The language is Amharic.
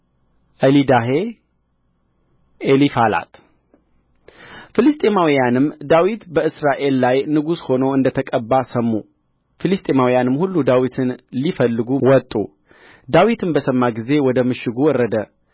ኤሊዳሄ ኤሊፋላት ፍልስጥኤማውያንም ዳዊት በእስራኤል ላይ ንጉሥ ሆኖ እንደ ተቀባ ሰሙ ፍልስጥኤማውያንም ሁሉ ዳዊትን ሊፈልጉ ወጡ ዳዊትም በሰማ ጊዜ ወደ ምሽጉ ወረደ